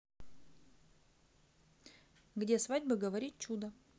где свадьбы говорит чудо